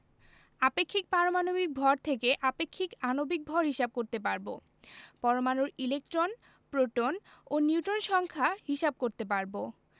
আপেক্ষিক পারমাণবিক ভর থেকে আপেক্ষিক আণবিক ভর হিসাব করতে পারব পরমাণুর ইলেকট্রন প্রোটন ও নিউট্রন সংখ্যা হিসাব করতে পারব